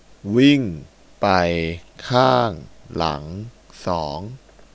วิ่งไปข้างหลังสอง